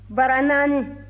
bara naani